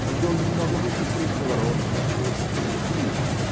Он был немного выше среднего роста и очень красив